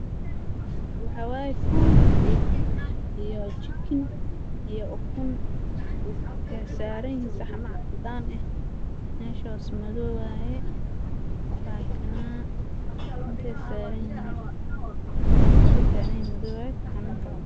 Waa sadex weel waxaa ku jira ukun bariis